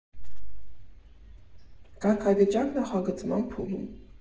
Կարգավիճակ՝ Նախագծման փուլում։